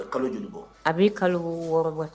A bɛ kalo joli bɔ? A bɛ kalo 6 bɔ.